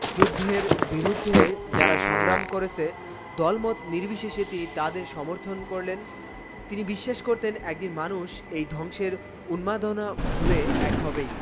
যুদ্ধের বিরুদ্ধে যারা সংগ্রাম করেছে দল মত নির্বিশেষে তিনি তাদের সমর্থন করলেন তিনি বিশ্বাস করতেন একদিন মানুষ এই ধ্বংসের উন্মাদনা ভুলে এক হবেই